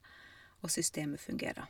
Og systemet fungerer.